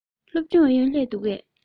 སློབ སྦྱོང ཨུ ཡོན སླེབས འདུག གས